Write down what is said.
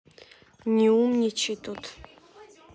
не умничай тут